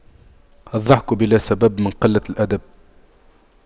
الضحك بلا سبب من قلة الأدب